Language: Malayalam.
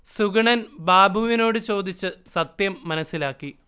സുഗുണൻ ബാബുവിനോട് ചോദിച്ച് സത്യം മനസ്സിലാക്കി